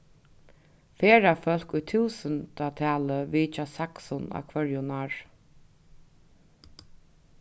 ferðafólk í túsundatali vitja saksun á hvørjum ári